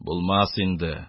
Булмас инде,